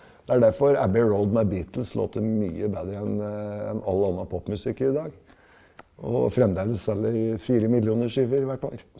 det er derfor Abby Road med Beatles låter mye bedre enn enn all anna popmusikk i dag og fremdeles selger de fire millioner skiver hvert år.